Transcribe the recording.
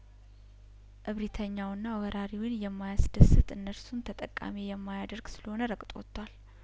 እብሪተኛ ውና ወራሪውን የማያስደስት እነርሱን ተጠቃሚ የማያደርግ ስለሆነ ረግጦ ወጥቷል